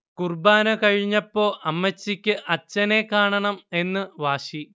കുർബ്ബാന കഴിഞ്ഞപ്പോ അമ്മച്ചിക്ക് അച്ചനെ കാണണം എന്ന് വാശി